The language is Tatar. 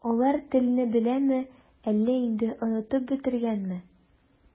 Алар телне беләме, әллә инде онытып бетергәнме?